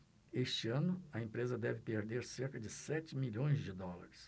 este ano a empresa deve perder cerca de sete milhões de dólares